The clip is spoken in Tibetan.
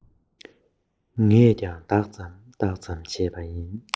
ངས ཀྱང ལྡག ཙམ ལྡག ཙམ བྱས པ ཡིན